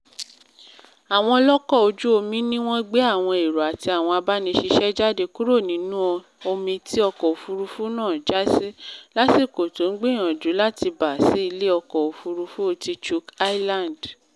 Àwọn ọlọ́kò ojú-omi ni wọ́n gbé àwọn èrò àti àwọn abániṣíṣẹ́ jáde kúrò nínú omi tí ọkọ̀-òfúrufú náà jásí lásìkò tó ń gbìyànjú láti bà sí ilé-ọkọ̀ òfurufú ti Chuuk Island.